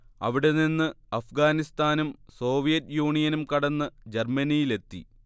അവിടെ നിന്ന് അഫ്ഗാനിസ്ഥാനും സോവിയറ്റ് യൂണിയനും കടന്ന് ജർമ്മനിയിലെത്തി